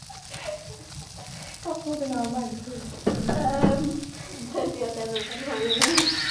Got food on our mind clearly. Yym tydi o ddim yn fy mhoeni.